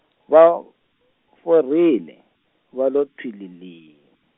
va, forile, va lo thwililii.